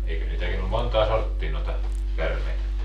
eikö niitäkin ole montaa sorttia noita käärmeitä